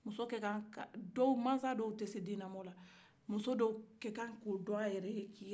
mansa dɔw te se den lamara la muso dɔw ka ko dɔn a yɛrɛ k'i yɛrɛ mara